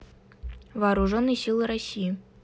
вооруженные силы россии